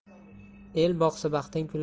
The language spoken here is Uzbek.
el boqsa baxting kular